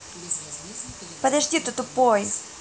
подожди ты тупой